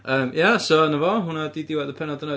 Yym, ia, so 'na fo, hwnna 'di diwedd y pennod yna.